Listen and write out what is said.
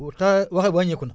pourtant wax wàññeeku na